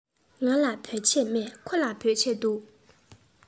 ང ལ བོད ཆས མེད ཁོ ལ བོད ཆས འདུག